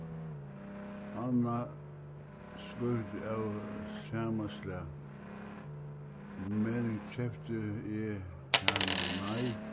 annað slíkt av sama slag men eg keypti eg hana nei